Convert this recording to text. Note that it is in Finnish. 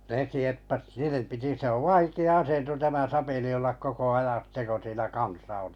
ne sieppasi niiden piti se on vaikea asento tämä sapeli olla koko ajan sitten kun siinä kansa oli